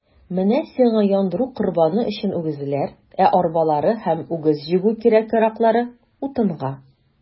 Менә сиңа яндыру корбаны өчен үгезләр, ә арбалары һәм үгез җигү кирәк-яраклары - утынга.